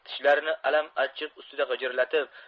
tishlarini alam achchiq ustida g'ijirlatib